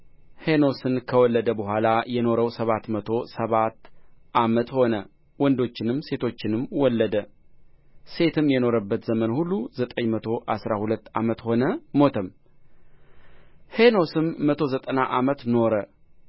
ሄኖስን ከወለደ በኋላ የኖረው ሰባት መቶ ሰባት ዓመት ሆነ ወንዶችንም ሴቶችንም ወለደ ሴትም የኖረበት ዘመን ሁሉ ዘጠኝ መቶ አሥራ ሁለት ዓመት ሆነ ሞተም ሄኖስም መቶ ዘጠና ዓመት ኖረ